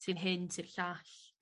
Ti'n hyn ti'r llall.